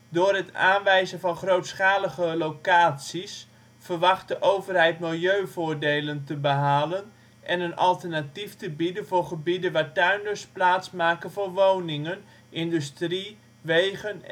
Door het aanwijzen van grootschalige locaties verwacht de overheid milieuvoordelen te behalen en een alternatief te bieden voor gebieden waar tuinders plaats maken voor woningen, industrie, wegen